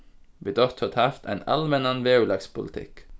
vit áttu at havt ein almennan veðurlagspolitikk